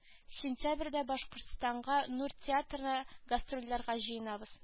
Сентябрьдә башкортстанга нур театрына гастрольләргә җыенабыз